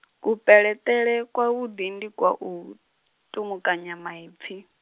kupeleṱele kwavhuḓi ndi kwa u, tumukanya maipfi.